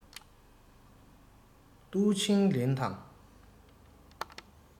ཏུའུ ཆིང ལིན དང